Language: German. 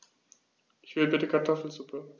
Ich will bitte Kartoffelsuppe.